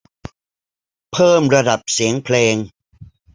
เพิ่มระดับเสียงเพลง